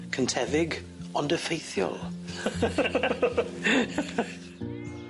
Cyntefig ond effeithiol.